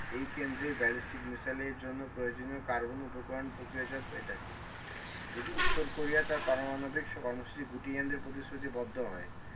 এই কেন্দ্রেই ব্যালিস্টিক মিসাইলের জন্য প্রয়োজনীয় কার্বন উপকরণ প্রক্রিয়াজাত হয়ে থাকে যদি উত্তর কোরিয়া তার পারমাণবিক কর্মসূচি গুটিয়ে আনতে প্রতিশ্রুতিবদ্ধ হয়